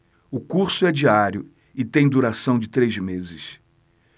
o curso é diário e tem duração de três meses